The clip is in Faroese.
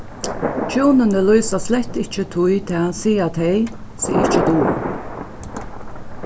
hjúnini lýsa slett ikki tí tað siga tey seg ikki duga